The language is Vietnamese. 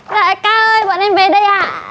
đại ca ơi bọn em về đây ạ